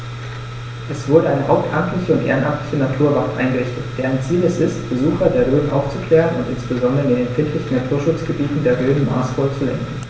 Es wurde eine hauptamtliche und ehrenamtliche Naturwacht eingerichtet, deren Ziel es ist, Besucher der Rhön aufzuklären und insbesondere in den empfindlichen Naturschutzgebieten der Rhön maßvoll zu lenken.